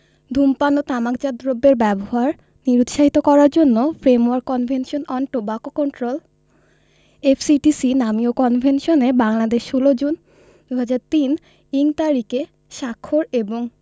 ধূমপান ও তামাকজাত দ্রব্যের ব্যবহার নিরুৎসাহিত করার জন্য framework convention on tobacco control F C T C নামীয় কনভেনশনে বাংলাদেশ ১৬ জুন ২০০৩ইং তারিখে স্বাক্ষর এবং